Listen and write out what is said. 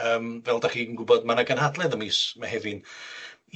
yym fel 'dach chi'n gwbod, ma' 'na gynhadledd ym mis Mehefin